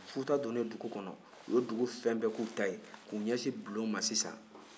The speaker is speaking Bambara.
futa donnen dugu kɔnɔ u ye dugu fɛn bɛɛ k'u ta ye k'u ɲɛsin bulon ma sisan